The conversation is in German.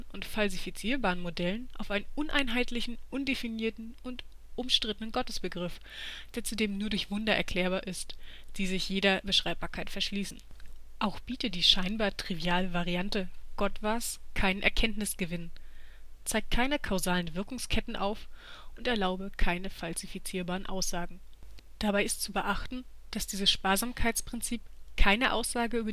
und falsifizierbaren Modellen auf einen uneinheitlichen, undefinierten und umstrittenen Gottesbegriff, der zudem nur durch Wunder erklärbar ist, die sich jeder Beschreibbarkeit verschließen. Auch biete die scheinbar triviale Variante „ Gott war 's “keinen Erkenntnisgewinn, zeigt keine kausalen Wirkungsketten auf und erlaube keine falsifizierbaren Aussagen. Dabei ist zu beachten, dass dieses Sparsamkeitsprinzip keine Aussage